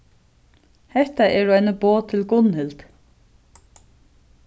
hetta eru eini boð til gunnhild